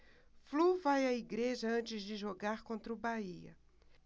flu vai à igreja antes de jogar contra o bahia